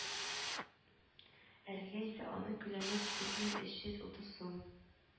Әлегә исә аның күләме дүрт мең өч йөз утыз сум